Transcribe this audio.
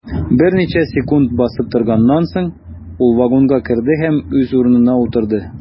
Берничә секунд басып торганнан соң, ул вагонга керде һәм үз урынына утырды.